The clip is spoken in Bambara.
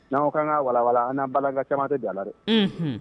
N'aw ka kan ka walalan an'an bala ka catɛ jayara dɛ